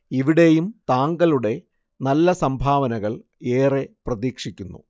ഇവിടെയും താങ്കളുടെ നല്ല സംഭാവനകൾ ഏറെ പ്രതീക്ഷിക്കുന്നു